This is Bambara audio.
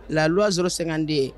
La loi 052